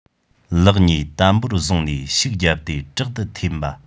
ལག གཉིས དམ པོར བཟུང ནས ཤུགས བརྒྱབ སྟེ དྲག ཏུ འཐེན པ